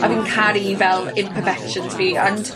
A fi'n caru fel imperfections fi, ond